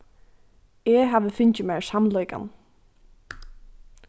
eg havi fingið mær samleikan